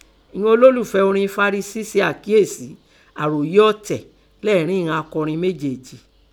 Ìnan olólùfẹ́ẹ orin Fàríìsì se àkíèsí àròyé ọ̀tẹ̀ lẹ́ẹ̀rín in akọrin méjèèjì.